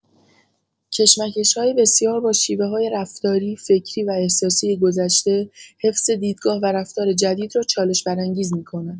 کشمکش‌های بسیار با شیوه‌های رفتاری، فکری و احساسی گذشته، حفظ دیدگاه و رفتار جدید را چالش‌برانگیز می‌کند.